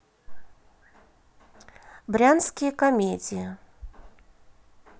брянские комедии